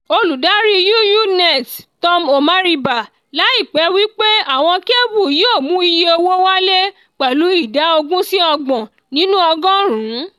Olùdarí UUnet Tom Omariba láìpẹ́ wí pé àwọn kébù yóò mú iye owó wálẹ̀ pẹ̀lú ìdá 20-30 nínú ọgọ́rùn-ún.